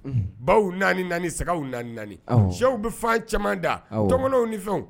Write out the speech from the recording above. Baw naani naani sagaw naaniani cɛww bɛ fan caman da donw ni fɛnw